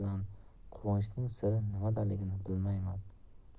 bilan quvonchning siri nimadaligini bilmayman